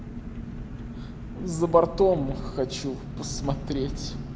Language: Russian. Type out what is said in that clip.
за бортом хочу посмотреть